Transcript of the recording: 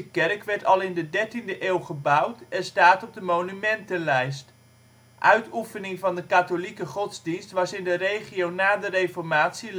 kerk werd al in de dertiende eeuw gebouwd en staat op de monumentenlijst. Uitoefening van de katholieke godsdienst was in de regio na de reformatie